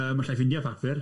Yym allai ffeindio papur.